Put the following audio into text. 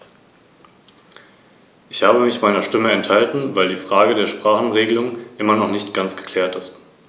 Daher danke ich Ihnen, nun ein paar Worte dazu sagen zu können.